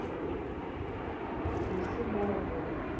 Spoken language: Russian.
неси галя воду